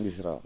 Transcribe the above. ISRA